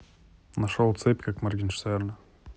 нашел цепь как моргенштерна